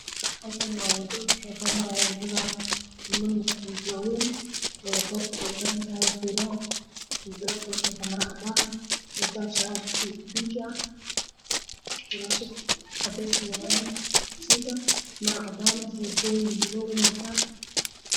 Waa niman fara badan oo socdaan oo shatiyo gaar ahaan si caddaan boorsooyin wato